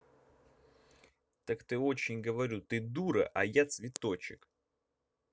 так ты очень говорю ты дура а я цветочек